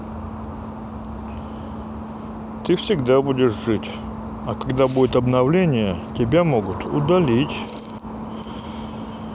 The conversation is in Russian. ты всегда будешь жить а когда будет обновление тебя могут удалить